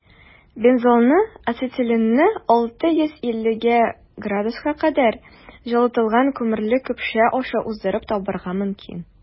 Бензолны ацетиленны 650 С кадәр җылытылган күмерле көпшә аша уздырып табарга мөмкин.